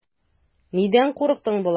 Нидән курыктың болай?